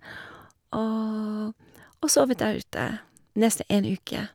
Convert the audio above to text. og Og sovet der ute nesten en uke.